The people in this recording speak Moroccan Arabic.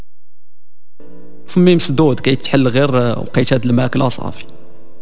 ميس دودج حل غير الماكل وصافي